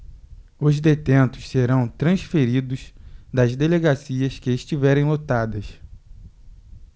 os detentos serão transferidos das delegacias que estiverem lotadas